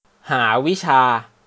หาวิชา